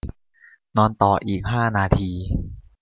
นอนต่ออีกห้านาที